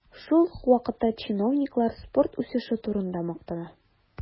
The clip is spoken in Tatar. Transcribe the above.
Шул ук вакытта чиновниклар спорт үсеше турында мактана.